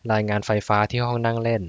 รายงานไฟฟ้าที่ห้องนั่งเล่น